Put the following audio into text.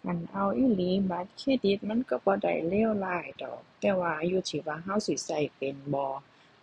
คันเอาอีหลีบัตรเครดิตมันก็บ่ได้เลวร้ายดอก แต่ว่าอยู่ที่ว่าก็สิก็เป็นบ่